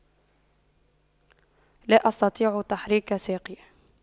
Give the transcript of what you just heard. لا أستطيع تحريك ساقي